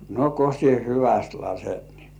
no kun sinä hyvästi lasket niin